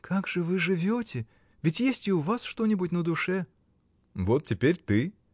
— Как же вы живете: ведь есть и у вас что-нибудь на душе? — Вот теперь ты!